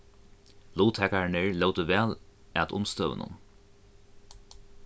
luttakararnir lótu væl at umstøðunum